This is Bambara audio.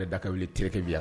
Ne da ka wele trekɛ yan